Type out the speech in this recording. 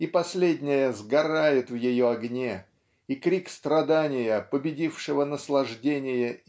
и последняя сгорает в ее огне и крик страдания победившего наслаждение